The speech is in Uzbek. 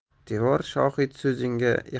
devor shohid so'zingga